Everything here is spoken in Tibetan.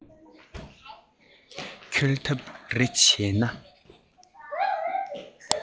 འཁྱོལ ཐབས རེ བྱས ན